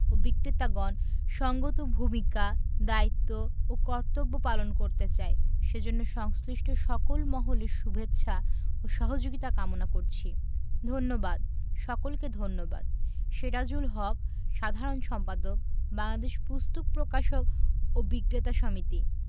ও বিক্রেতাগণ সঙ্গত ভূমিকা দায়িত্ব ও কর্তব্য পালন করতে চাই সেজন্য সংশ্লিষ্ট সকল মহলের শুভেচ্ছা ও সহযোগিতা কামনা করছি ধন্যবাদ সকলকে ধন্যবাদ সেরাজুল হক সাধারণ সম্পাদক বাংলাদেশ পুস্তক প্রকাশক ও বিক্রেতা সমিতি